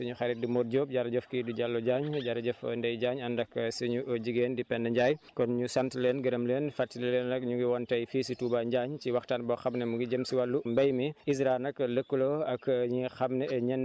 jërëjëfNaar Diagne jërëjëf suñu xarit di Modou Diop jërëjëf kii di Diallo Diagne jërëjëf Ndeye Diagne ànd ak suñu jigéen di Penda Ndiaye kon ñu sant leen gërëm leen fàttali leen rek ñu ngi woon tey fii si Touba Njaañ ci waxtaan boo xam ne mu ngi jëm si wàllu mbéy mi